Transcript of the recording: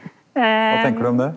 kva tenker du om det?